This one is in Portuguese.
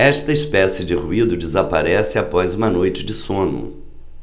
esta espécie de ruído desaparece após uma noite de sono